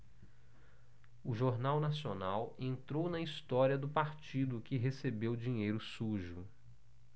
o jornal nacional entrou na história do partido que recebeu dinheiro sujo